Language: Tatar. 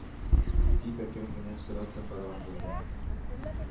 Дип әкрен генә сорап та караган булды